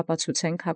Բարձրացուցանել։